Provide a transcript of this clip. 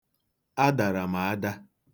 Adara m ada.